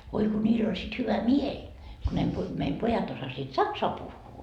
voi kun niillä oli sitten hyvä mieli kun ne - meidän pojat osasivat saksaa puhua